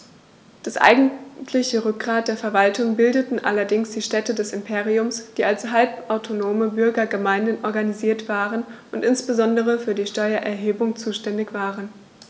Das eigentliche Rückgrat der Verwaltung bildeten allerdings die Städte des Imperiums, die als halbautonome Bürgergemeinden organisiert waren und insbesondere für die Steuererhebung zuständig waren.